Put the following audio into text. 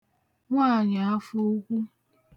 nwaànyị̀afụukwu